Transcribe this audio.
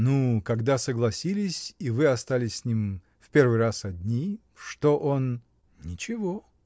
— Ну, когда согласились и вы остались с ним в первый раз одни. что он. — Ничего!